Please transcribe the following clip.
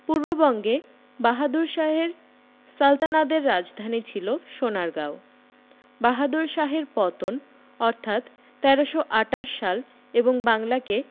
পূর্ববঙ্গে বাহাদুর শাহের সালতানাতের রাজধানী ছিল সোনারগাঁও বাহাদুর শাহের পতন অর্থাৎ ১৩২৮ সাল এবং বাংলাকে